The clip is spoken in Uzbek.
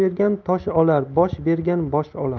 olar bosh bergan bosh olar